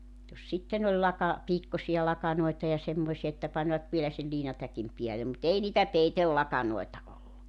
jos sitten oli - piikkoisia lakanoita ja semmoisia että panivat vielä sen liinatäkin päälle mutta ei niitä peitelakanoita ollut